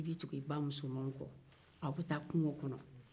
i bɛ tugu i ba musomanw kɔ a bɛ taa kungo kɔnɔ